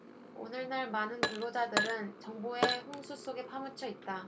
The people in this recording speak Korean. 오늘날 많은 근로자들은 정보의 홍수 속에 파묻혀 있다